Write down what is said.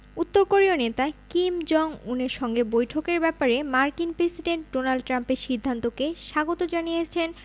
উত্তর কোরীয় নেতা কিম জং উনের সঙ্গে বৈঠকের ব্যাপারে মার্কিন প্রেসিডেন্ট ডোনাল্ড ট্রাম্পের সিদ্ধান্তকে স্বাগত জানিয়েছেন